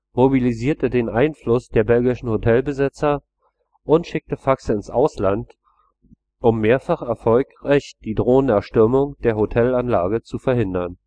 mobilisierte den Einfluss der belgischen Hotelbesitzer und schickte Faxe ins Ausland, um mehrfach erfolgreich die drohende Erstürmung der Hotelanlage zu verhindern